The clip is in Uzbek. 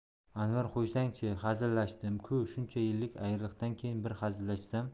anvar qo'ysang chi hazillashdim ku shuncha yillik ayriliqdan keyin bir hazillashsam